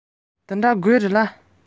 དམར པོ དག རིག གནས ཡིན ནམ